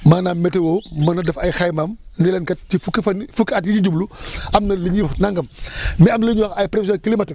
maanaam météo mën na def ay xaymaam ni leen kat ci fukki fan yi fukki at yii ñu jublu am na li ñuy wax nangam mais am na lu ñuy wax ay prévisions climatiques